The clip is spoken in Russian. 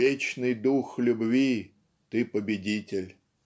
Вечный дух любви - ты победитель".